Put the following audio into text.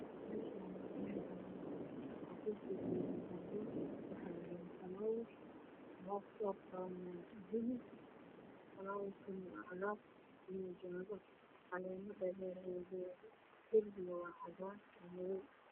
Meeshaani waa meel banaan waxaa yaalo falawer kama waa cadaan jaalo caleemo dhaasher ayuu leeyahay